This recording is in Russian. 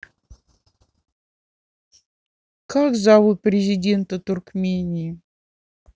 как зовут президента туркмении